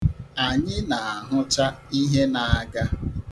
Anyi na-ahụcha ihe na-aga.